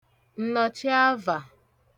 ǹnọ̀chiavà